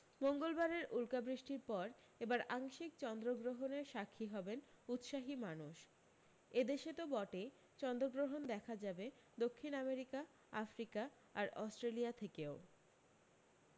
মঙ্গলবারের উলকাবৃষ্টির পর এবার আংশিক চন্দ্রগ্রহণের সাক্ষী হবেন উৎসাহী মানুষ এদেশে তো বটেই চন্দ্রগ্রহণ দেখা যাবে দক্ষিণ আমেরিকা আফ্রিকা আর অস্ট্রেলিয়া থেকেও